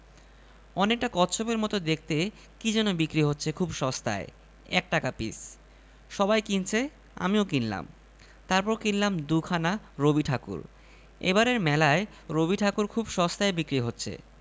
মেজো মেয়ে তার আইসক্রিম আমার দিকে বাড়িয়ে বলল এক কামড় খাও বাবা আমি খেলাম এক কামড় একজন যা করে অন্য সবারও তাই করা চাই কাজেই অন্য সবাইও আইসক্রিম বাড়িয়ে ধরতে লাগিল আমার দিকে